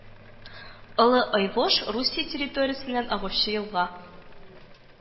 Олы Ойвож Русия территориясеннән агучы елга